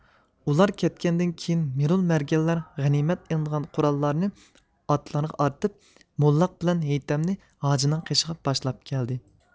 ئۇلار كەتكەندىن كېيىن مىرۇل مەرگەنلەر غەنىيمەت ئېلىنغان قوراللارنى ئاتلارغا ئارتىپ موللاق بىلەن ھېيتەمنى ھاجىنىڭ قېشىغا باشلاپ كەلدى